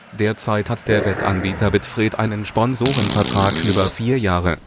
Derzeit hat der Wettanbieter betfred einen Sponsorenvertrag über 4 Jahre